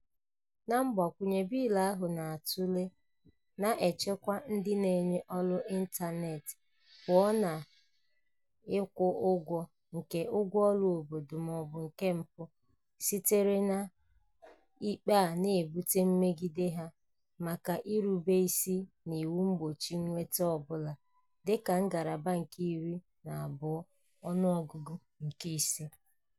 Na mgbakwụnye, bịịlụ ahụ a na-atụle na-echekwa ndị na-enye ọrụ ịntaneetị pụọ n'ịkwụ ụgwọ nke "ụgwọ ọrụ obodo ma ọ bụ nke mpụ" sitere na ikpe a na-ebute megide ha maka "irube isi n'iwu mgbochi nnweta ọ bụla", dị ka ngalaba nke 12, ọnụọgụgụ nke 5.